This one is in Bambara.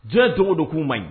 Jo dogo don k'u man ɲi